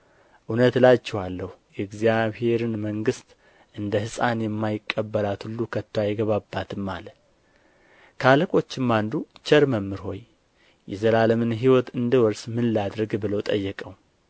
እውነት እላችኋለሁ የእግዚአብሔርን መንግሥት እንደ ሕፃን የማይቀበላት ሁሉ ከቶ አይገባባትም አለ ከአለቆችም አንዱ ቸር መምህር የዘላለምን ሕይወት እንድወርስ ምን ላድርግ ብሎ ጠየቀው